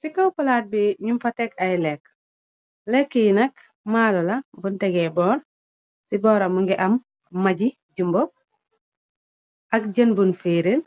Se kaw palaat bi ñum fa teg ay lekk lekk yi nak maalu la buntegee boor ci booram m ngi am maji jumbo ak jën bun féeril